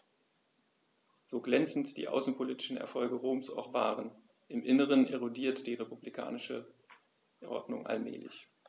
So glänzend die außenpolitischen Erfolge Roms auch waren: Im Inneren erodierte die republikanische Ordnung allmählich.